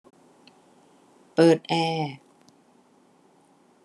เปิดแอร์